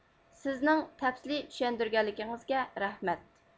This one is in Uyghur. سىزنىڭ تەپسىلىي چۈشەندۈرگەنلىكىڭىزگە رەھمەت